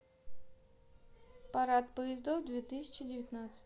парад поездов две тысячи девятнадцать